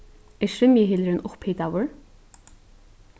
er svimjihylurin upphitaður